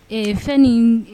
Ee fɛnin